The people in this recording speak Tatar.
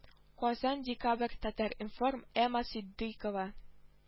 Казан декабрь татар-информ эмма ситдыйкова